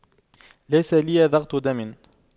ليس لي ضغط دم